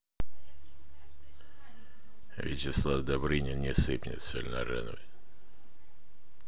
вячеслав добрынин не сыпь мне соль на рану